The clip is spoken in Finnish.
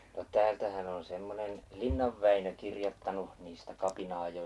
no täältähän on semmoinen Linnan Väinö kirjoittanut niistä kapina-ajoista kirjankin